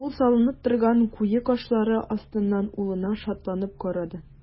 Ул салынып торган куе кашлары астыннан улына шатланып карады.